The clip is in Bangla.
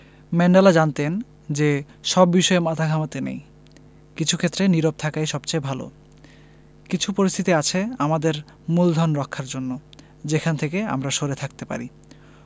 ম্যান্ডেলা জানতেন যে সব বিষয়ে মাথা ঘামাতে নেই কিছু ক্ষেত্রে নীরব থাকাই সবচেয়ে ভালো কিছু পরিস্থিতি আছে আমাদের মূলধন রক্ষার জন্য যেখান থেকে আমরা সরে থাকতে পারি